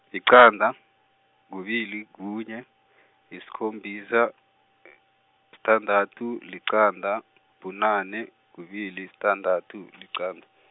yiqanda, kubili, kunye, yisikhombisa, sithandathu, liqanda, bunane, kubili, sithandathu, liqanda.